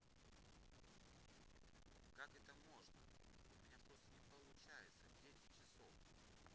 как это можно у меня просто не получается дети часов